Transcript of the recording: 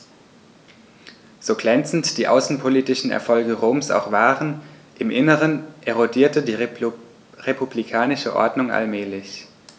So glänzend die außenpolitischen Erfolge Roms auch waren: Im Inneren erodierte die republikanische Ordnung allmählich.